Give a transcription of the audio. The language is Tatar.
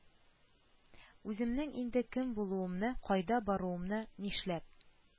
Үземнең инде кем булуымны, кайда баруымны, нишләп